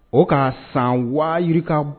O ka san waa